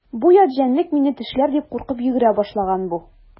Бу ят җәнлек мине тешләр дип куркып йөгерә башлаган бу.